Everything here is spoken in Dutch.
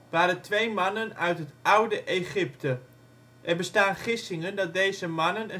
waren twee mannen uit het Oude-Egypte. Er bestaan gissingen dat deze mannen